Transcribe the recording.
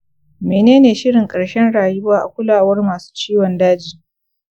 menene shirin ƙarshen rayuwa a kulawar masu ciwon daji?